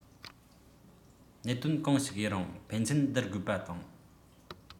གནད དོན གང ཞིག ཡིན རུང ཕན ཚུན སྡུར དགོས པ དང